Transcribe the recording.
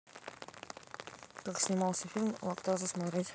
как снимался фильм лактазы смотреть